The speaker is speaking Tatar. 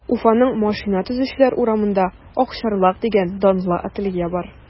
Уфаның Машина төзүчеләр урамында “Акчарлак” дигән данлы ателье бар.